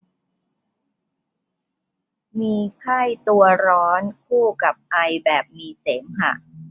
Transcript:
มีไข้ตัวร้อนคู่กับไอแบบมีเสมหะ